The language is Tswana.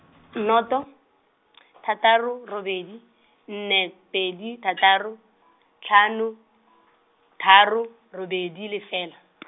nnoto , thataro robedi, nne pedi thataro , tlhano, tharo, robedi lefela .